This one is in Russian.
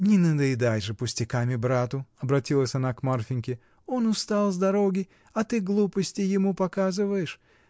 — Не надоедай же пустяками брату, — обратилась она к Марфиньке, — он устал с дороги, а ты глупости ему показываешь.